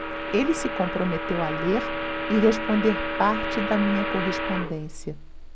ele se comprometeu a ler e responder parte da minha correspondência